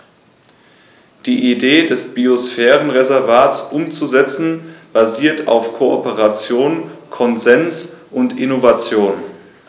Die Idee des Biosphärenreservates umzusetzen, basiert auf Kooperation, Konsens und Innovation.